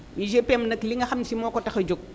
UGPM nag li nga xam si moo ko tax a jóg